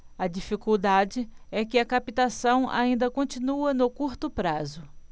a dificuldade é que a captação ainda continua no curto prazo